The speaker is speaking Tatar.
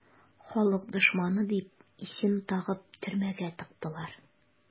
"халык дошманы" дип исем тагып төрмәгә тыктылар.